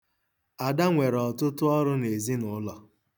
Ada nwere ọtụtụ ọrụ n'ezinụlọ.